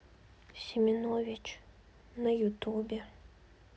семенович на ютубе